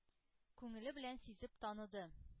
Күңеле белән сизеп таныды.